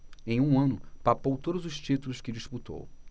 em um ano papou todos os títulos que disputou